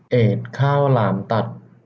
เอดข้าวหลามตัด